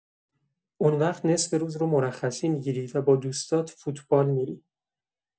اون‌وقت نصف روز مرخصی می‌گیری و با دوستات فوتبال می‌ری.